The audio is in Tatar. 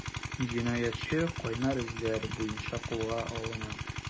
Җинаятьче “кайнар эзләр” буенча кулга алына.